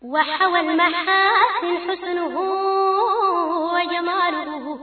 Wa wadugu